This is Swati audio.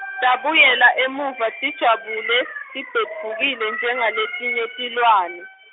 Tabuyela emuva tijabule, tibhedvukile njengaletinye tilwane.